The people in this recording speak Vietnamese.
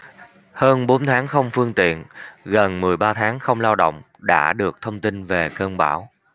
hơn bốn tháng không phương tiện gần mười ba tháng không lao động đã được thông tin về cơn bão